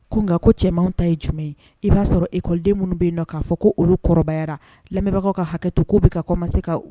Ko nka ko cɛmanw ta ye jumɛn i b'a sɔrɔ ecole den minnu bɛ yeninɔn k'a fɔ k'o olu kɔrɔbayala, lamɛnbagaw ka hakɛto, k'o bɛ ka commencer ka se ka